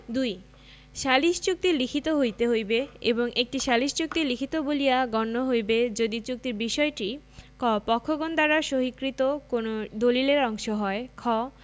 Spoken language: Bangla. ২ সালিস চুক্তি লিখিত হইতে হইবে এবং একটি সালিস চুক্তি লিখিত বলিয়া গণ্য হইবে যদি চুক্তির বিষয়টি ক পক্ষগণ দ্বারা সহিকৃত কোন দলিলের অংশ হয় খ